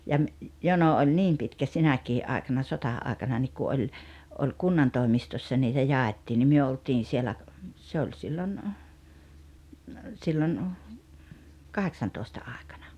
ja - jono oli niin pitkä sinäkin aikana sota-aikana niin kun oli oli kunnantoimistossa niitä jaettiin niin me oltiin siellä - se oli silloin silloin kahdeksantoista aikana